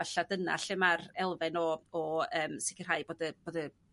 'falla' dyna lle ma'r elfen o o yym sicrhau bod y bod y